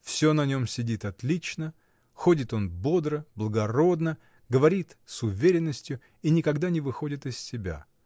всё на нем сидит отлично, ходит он бодро, благородно, говорит с уверенностию и никогда не выходит из себя.